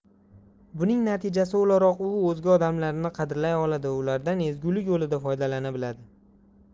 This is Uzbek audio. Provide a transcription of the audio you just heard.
buning natijasi o'laroq u o'zga odamlarni qadrlay oladi va ulardan ezgulik yo'lida foydalana biladi